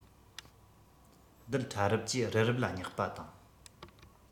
རྡུལ ཕྲ རབ ཀྱིས རི རབ ལ བསྙེགས པ དང